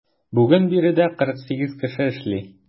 Бүген биредә 48 кеше эшли.